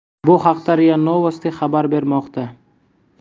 bu haqda ria novosti xabar bermoqda